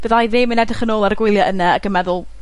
fydda i ddim yn edrych yn ôl ar y gwylie yna ac yn meddwl